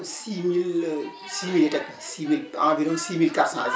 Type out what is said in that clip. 6000 6000 yi teg na 6000 environ 6400 la